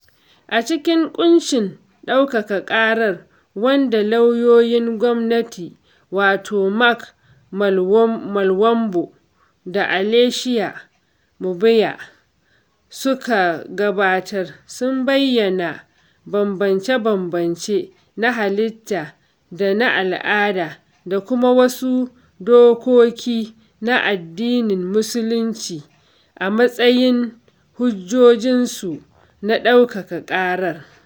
A cikin ƙunshin ɗaukaka ƙarar wanda lauyoyin gwamnati wato Mark Mulwambo da Alesia Mbuya suka gabatar, sun bayyana bambamce-bambamce na halitta da na al'ada da kuma wasu dokoki na addinin musulunci a matsayin hujjojinsu na ɗaukaka ƙarar.